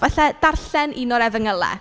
Falle darllen un o'r Efengylau.